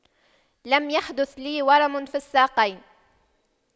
لم يحدث لي ورم في الساقين